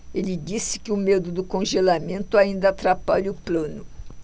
ele disse que o medo do congelamento ainda atrapalha o plano